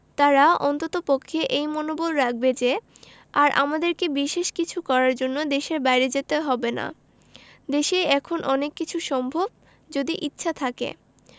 তারা অন্ততপক্ষে এই মনোবল রাখবে যে আর আমাদেরকে বিশেষ কিছু করার জন্য দেশের বাইরে যেতে হবে না দেশেই এখন অনেক কিছু সম্ভব যদি ইচ্ছা থাকে